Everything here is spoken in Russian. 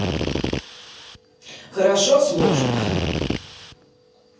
хорошо с мужем